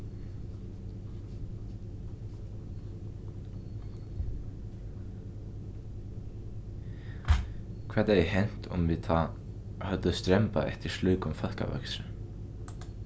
hvat hevði hent um vit tá høvdu strembað eftir slíkum fólkavøkstri